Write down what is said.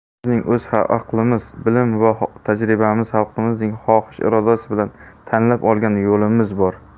bizning o'z aqlimiz bilim va tajribamiz xalqimizning xohish irodasi bilan tanlab olgan yo'limiz bor